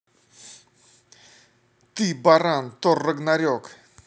ты баран тор рагнарек